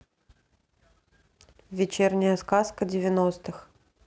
вечерняя сказка девяностых